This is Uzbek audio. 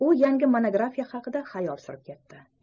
u yangi monografiya haqida xayol surib ketdi